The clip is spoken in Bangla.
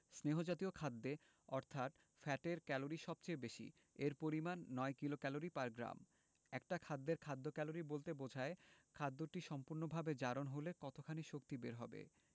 স্নেহ জাতীয় খাদ্যে অর্থাৎ ফ্যাটের ক্যালরি সবচেয়ে বেশি এর পরিমান ৯ কিলোক্যালরি পার গ্রাম একটা খাদ্যের খাদ্য ক্যালোরি বলতে বোঝায় খাদ্যটি সম্পূর্ণভাবে জারণ হলে কতখানি শক্তি বের হবে